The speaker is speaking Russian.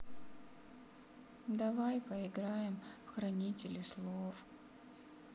давай поиграем в хранители слов